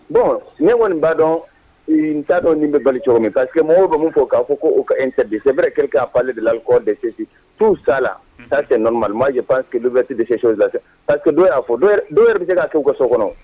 Bɔn ne kɔni baa dɔn n t'a dɔn ni bɛ bali cogo min pa que mɔgɔw bɛ min fɔ k'a fɔ k' ka e tɛ di sɛbɛnɛrɛ kiri k'a fɔale de la kɔ desesi tuu sa la' tɛ nɔnɔma maa yep ki bɛti dese lase pa que dɔw y'a fɔ dɔw yɛrɛ bɛ se ka' u ka so kɔnɔ